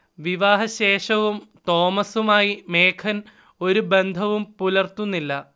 വിവാഹശേഷവും തോമസുമായി മേഘൻ ഒരു ബന്ധവും പുലർത്തുന്നില്ല